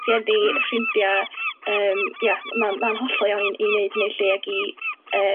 rhieni ffrindia' yym ie ma', ma'n hollol iawn i 'neud hynnu 'llu ag i